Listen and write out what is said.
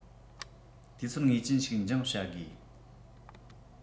དུས ཚོད ངེས ཅན ཞིག འགྱངས བྱ དགོས